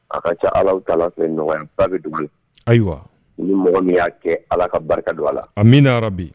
A ka ca ala fɛ ɲɔgɔn ba bɛ dugu ayiwa ni mɔgɔ min y'a kɛ ala ka barika don a la a min yɔrɔ bi